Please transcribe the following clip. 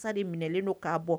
Sa de minɛnlen don k'a bɔ